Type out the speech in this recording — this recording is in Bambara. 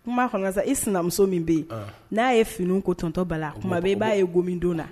Kuma fanga i sinamuso min bɛ yen n'a ye fini ko tɔntɔ bala la kumaba i b'a ye go mindon na